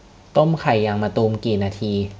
ต้มไข่ยางมะตูมกี่นาที